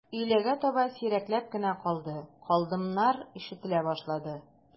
Өйләгә таба сирәкләп кенә «калды», «калдым»нар да ишетелә башлады.